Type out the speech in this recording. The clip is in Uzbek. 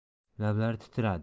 lablari titradi